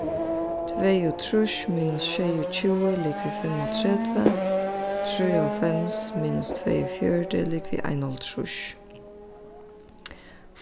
tveyogtrýss minus sjeyogtjúgu er ligvið fimmogtretivu trýoghálvfems minus tveyogfjøruti er ligvið einoghálvtrýss